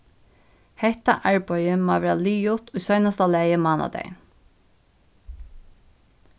hetta arbeiðið má vera liðugt í seinasta lagi mánadagin